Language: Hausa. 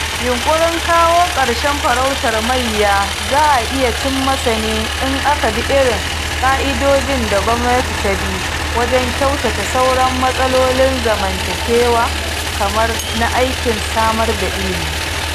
Yunƙurin kawo ƙarshen farautar mayya za a iya cimmasa ne in aka bi irin ƙa'idojin da gwamnati ta bi wajen kyautata sauran matsalolin zamntakewa kamar na aikin samar da ilimi.